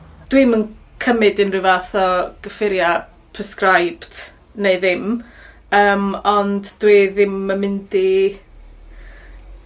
Dwi'm yn cymyd unryw fath o gyffuria prescribed neu ddim yym ond dwi ddim yn mynd i